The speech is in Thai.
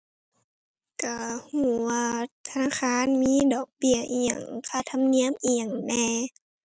ก็ก็ว่าธนาคารมีดอกเบี้ยอิหยัง ค่าธรรมเนียมอิหยังแหน่